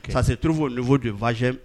Parce que toujours au niveau de vagem